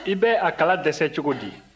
i bɛ a kala dɛsɛ cogo di